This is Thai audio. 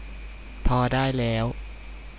พอได้แล้ว